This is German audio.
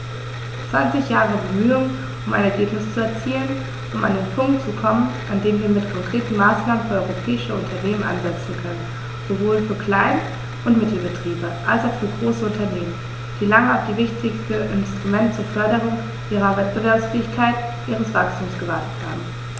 Zwanzig Jahre Bemühungen, um ein Ergebnis zu erzielen, um an den Punkt zu kommen, an dem wir mit konkreten Maßnahmen für europäische Unternehmen ansetzen können, sowohl für Klein- und Mittelbetriebe als auch für große Unternehmen, die lange auf dieses wichtige Instrument zur Förderung ihrer Wettbewerbsfähigkeit und ihres Wachstums gewartet haben.